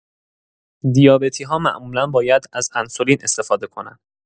دیابتی‌ها معمولا باید از انسولین استفاده کنن.